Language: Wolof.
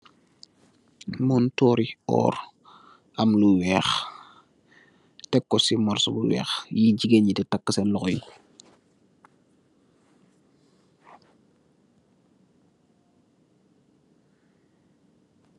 Montorri oór am lu wèèx, tek ko ci morsor bu wèèx yi gigeen ni di taka seen loxoyi .